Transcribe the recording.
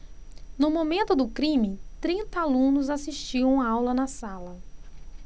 no momento do crime trinta alunos assistiam aula na sala